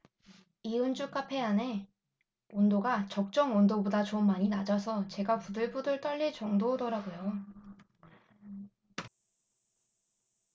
이은주 카페 안에 온도가 적정 온도보다 좀 많이 낮아서 제가 부들부들 떨릴 정도더라고요